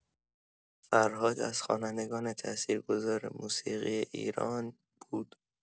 فرهاد از خوانندگان تأثیرگذار موسیقی ایران بود.